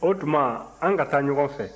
o tuma an ka taa ɲɔgɔn fɛ